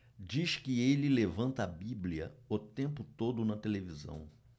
diz que ele levanta a bíblia o tempo todo na televisão